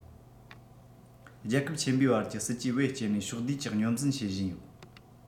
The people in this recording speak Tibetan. རྒྱལ ཁབ ཆེན པོའི བར གྱི སྲིད ཇུས བེད སྤྱོད ནས ཕྱོགས བསྡུས ཀྱི སྙོམས འཛིན བྱེད བཞིན ཡོད